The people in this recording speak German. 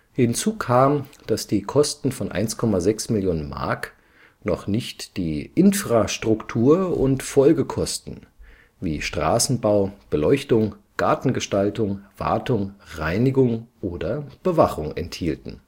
Hinzu kam, dass die Kosten von 1,6 Millionen Mark noch nicht die Infrastruktur - und Folgekosten wie Straßenbau, Beleuchtung, Gartengestaltung, Wartung, Reinigung oder Bewachung enthielten